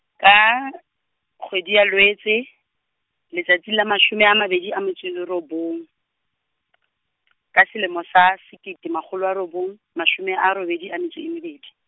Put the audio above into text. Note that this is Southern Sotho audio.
ka kgwedi ya Lwetse, letsatsi la mashome mabedi a metso e robong , ka selemo sa sekete makgolo a robong, mashome a robedi a metso e mebedi.